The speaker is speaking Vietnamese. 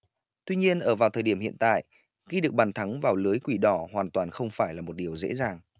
tuy nhiên ở vào thời điểm hiện tại ghi được bàn thắng vào lưới quỷ đỏ hoàn toàn không phải là một điều dễ dàng